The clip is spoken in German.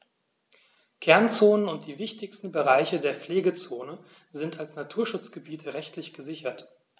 Kernzonen und die wichtigsten Bereiche der Pflegezone sind als Naturschutzgebiete rechtlich gesichert.